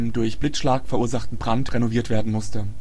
durch Blitzschlag verursachten Brand renoviert werden musste